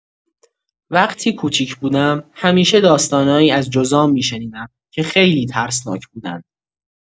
وقتی کوچیک بودم، همیشه داستانایی از جذام می‌شنیدم که خیلی ترسناک بودن.